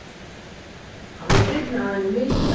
hann verður dripin av eini minu